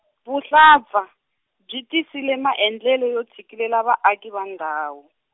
vuhlampfa, byi tisile maendlelo yo tshikelela vaaki va ndhawu.